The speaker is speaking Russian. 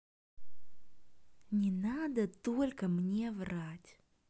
не надо только мне врать